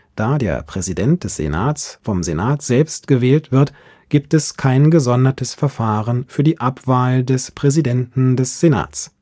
Da der Präsident des Senates vom Senat selbst gewählt wird, gibt es kein gesondertes Verfahren für die Abwahl des Präsidenten des Senates